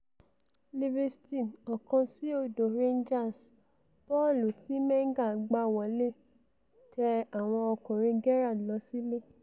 Livingston 1 - 0 Rangers: Bọ́ọ̀lù ti Menga gbá wọlé tẹ àwọn ọkùnrin Gerrard lọsílẹ̀